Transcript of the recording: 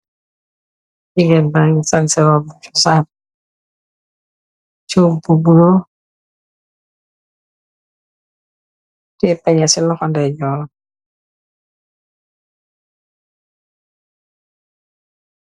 Gigeen bangi sanseh robu chosan cuub bu bula teyah pañeh ci loxo ndaijoram.